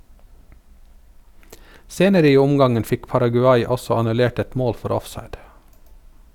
Senere i omgangen fikk Paraguay også annullert et mål for offside.